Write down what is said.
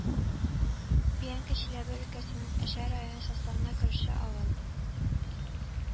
Биянка Чиләбе өлкәсенең Әшә районы составына керүче авыл